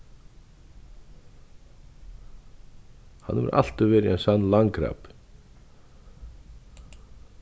hann hevur altíð verið ein sannur landkrabbi